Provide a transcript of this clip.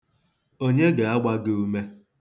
Onye ga-agba gị ume?